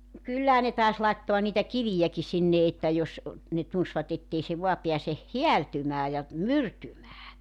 no kyllähän ne taisi laittaa niitä kiviäkin sinne että jos ne tunsivat että ei se vain pääse häältymään ja myrtymään